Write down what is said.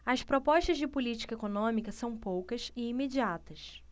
as propostas de política econômica são poucas e imediatas